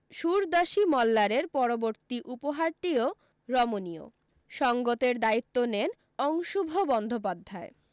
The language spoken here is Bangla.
সুরদাসী মল্লারের পরবর্তী উপহারটিও রমণীয় সঙ্গতের দায়িত্ব নেন অংশুভ বন্দ্যোপাধ্যায়